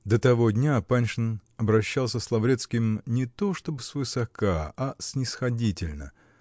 До того дня Паншин обращался с Лаврецким не то чтоб свысока, а снисходительно